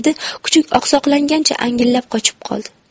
kuchuk oqsoqlangancha angillab qochib qoldi